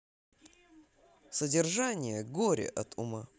содержание горе от ума